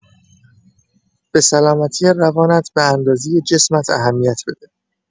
به سلامتی روانت به‌اندازه جسمت اهمیت بده.